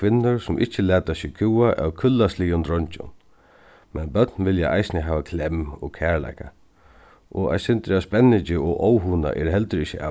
kvinnur sum ikki lata seg kúga av kúllasligum dreingjum men børn vilja eisini hava klemm og kærleika og eitt sindur av spenningi og óhugna er heldur ikki